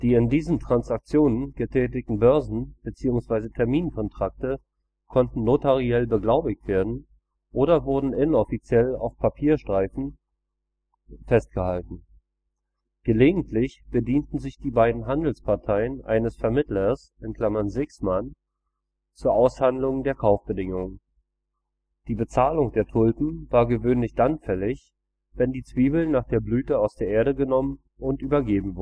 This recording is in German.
in diesen Transaktionen getätigten Börsen - bzw. Terminkontrakte konnten notariell beglaubigt werden oder wurden inoffiziell auf Papierstreifen (coopcedulle) festgehalten. Gelegentlich bedienten sich die beiden Handelsparteien eines Vermittlers (seghsman) zur Aushandlung der Kaufbedingungen. Die Bezahlung der Tulpen war gewöhnlich dann fällig, wenn die Zwiebeln nach der Blüte aus der Erde genommen und übergeben